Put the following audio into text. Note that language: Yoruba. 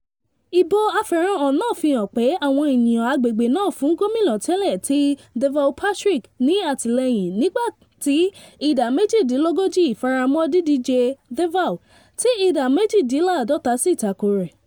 Ìbò afèròhàn náà fi hàn pé àwọn ènìyàn agbègbè náà fún Gómìnà tẹ́lẹ̀ tí Deval Patrick ní àtìlẹyìn nígbà tí ìdá méjìdínlógójì faramọ́ dídíje Deval, tí ìdá méjìdíláàdọ́ta sì tako rẹ̀.